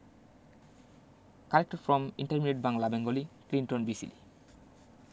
collected from intermediate Bangla Bengali Clinton B Seely